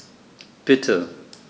Bitte.